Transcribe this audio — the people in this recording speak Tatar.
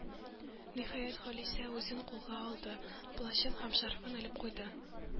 Ниһаять, Халисә үзен кулга алды, плащын һәм шарфын элеп куйды.